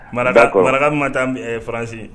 Mana mana min ma taa faransi